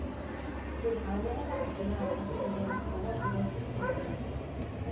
그 다음에 해가 바뀌면 다시 재개를 하거나 이런 식이 되는데